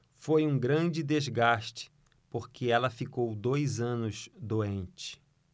foi um grande desgaste porque ela ficou dois anos doente